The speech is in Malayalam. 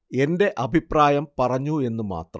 എന്റെ അഭിപ്രായം പറഞ്ഞു എന്നു മാത്രം